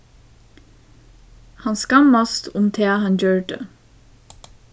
hann skammast um tað hann gjørdi